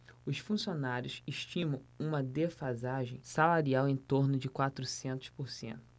os funcionários estimam uma defasagem salarial em torno de quatrocentos por cento